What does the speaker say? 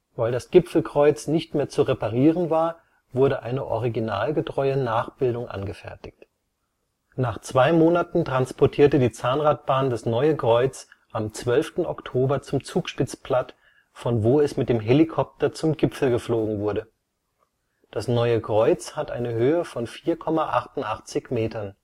Weil das Gipfelkreuz nicht mehr zu reparieren war, wurde eine originalgetreue Nachbildung angefertigt. Nach zwei Monaten transportierte die Zahnradbahn das neue Kreuz am 12. Oktober zum Zugspitzplatt, von wo es mit dem Helikopter zum Gipfel geflogen wurde. Das neue Kreuz hat eine Höhe von 4,88 m